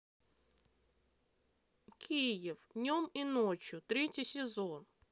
киев днем и ночью третий сезон